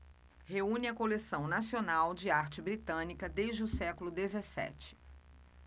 reúne a coleção nacional de arte britânica desde o século dezessete